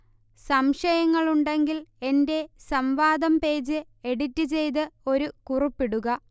സംശയങ്ങളുണ്ടെങ്കിൽ എന്റെ സംവാദം page edit ചെയ്ത് ഒരു കുറിപ്പ് ഇടുക